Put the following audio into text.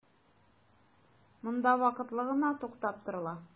Монда вакытлы гына туктап торыла.